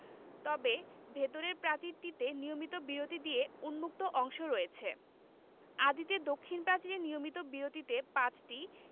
তবে ভেতরের প্রাচীরটিতে নিয়মিত বিরতি দিয়ে উন্মুক্ত অংশ রয়েছে আদিতে দক্ষিণ প্রাচীরে নিয়মিত বিরতিতে পাঁচটি